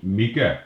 mikä